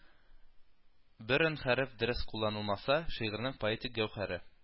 Бер өн-хәреф дөрес кулланылмаса, шигырьнең поэтик гәүһәре